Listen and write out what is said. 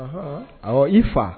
I fa